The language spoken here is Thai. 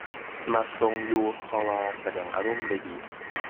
มักส่งอยู่ เพราะว่าแสดงอารมณ์ได้ดี